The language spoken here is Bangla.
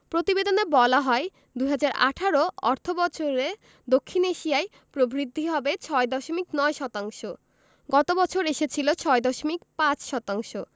প্রতিবেদনে বলা হয় ২০১৮ অর্থবছরে দক্ষিণ এশিয়ায় প্রবৃদ্ধি হবে ৬.৯ শতাংশ গত বছর এসেছিল ৬.৫ শতাংশ